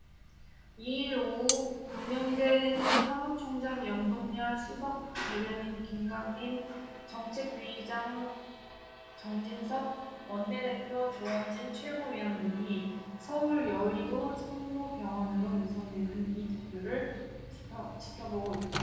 이 일 오후 박명재 사무총장 염동열 수석대변인 김광림 정책위의장 정진석 원내대표 조원진 최고위원 등이 서울 여의도성모병원으로 이송되는 이 대표를 지켜보고 있다